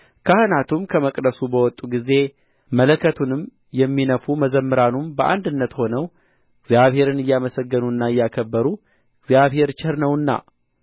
ካህናቱም ከመቅደሱ በወጡ ጊዜ መለከቱንም የሚነፉ መዘምራኑም በአንድነት ሆነው እግዚአብሔርን እያመሰገኑና እያከበሩ እግዚአብሔር ቸር ነውና